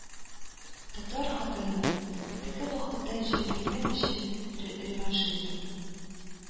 Татар хатыны: «теге вакытта җиңелгән өчен реваншизм